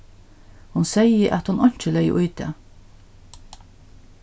hon segði at hon einki legði í tað